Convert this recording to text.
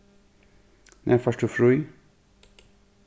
nær fært tú frí